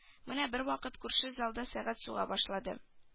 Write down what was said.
Менә бервакыт күрше залда сәгать суга башлады